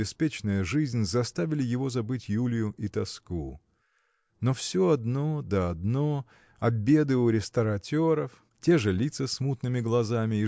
беспечная жизнь заставили его забыть Юлию и тоску. Но все одно да одно обеды у рестораторов те же лица с мутными глазами